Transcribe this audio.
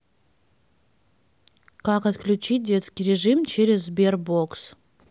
как отключить детский режим через sberbox